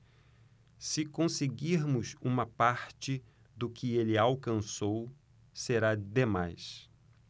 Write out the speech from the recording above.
se conseguirmos uma parte do que ele alcançou será demais